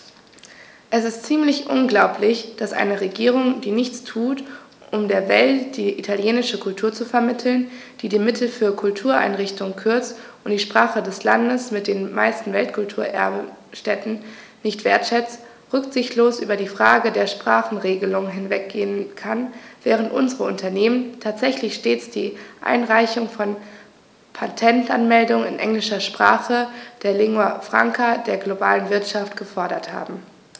Es ist ziemlich unglaublich, dass eine Regierung, die nichts tut, um der Welt die italienische Kultur zu vermitteln, die die Mittel für Kultureinrichtungen kürzt und die Sprache des Landes mit den meisten Weltkulturerbe-Stätten nicht wertschätzt, rücksichtslos über die Frage der Sprachenregelung hinweggehen kann, während unsere Unternehmen tatsächlich stets die Einreichung von Patentanmeldungen in englischer Sprache, der Lingua Franca der globalen Wirtschaft, gefordert haben.